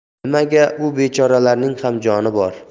nimaga u bechoralarning ham joni bor